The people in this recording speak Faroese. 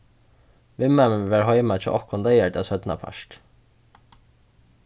vinmaðurin var heima hjá okkum leygardag seinnapart